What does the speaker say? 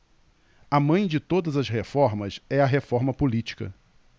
a mãe de todas as reformas é a reforma política